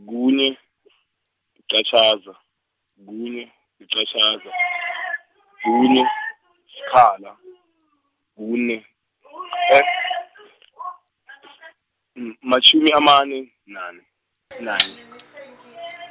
kunye , liqatjhaza, kunye, liqatjhaza, kunye, sikhala, kune m- matjhumi amane nane nanye .